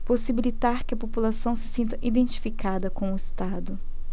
possibilitar que a população se sinta identificada com o estado